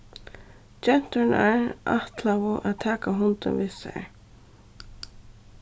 genturnar ætlaðu at taka hundin við sær